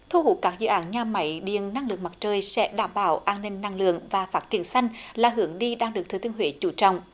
thu hút các dự án nhà máy điện năng lượng mặt trời sẽ đảm bảo an ninh năng lượng và phát triển xanh là hướng đi đang được thừa thiên huế chú trọng